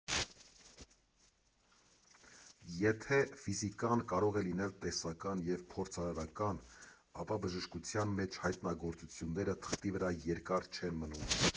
Եթե ֆիզիկան կարող է լինել տեսական և փորձարարական, ապա բժշկության մեջ հայտնագործությունները թղթի վրա երկար չեն մնում։